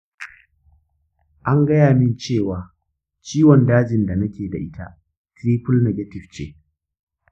an gaya min cewa ciwon dajin da nake da ita triple negative ce.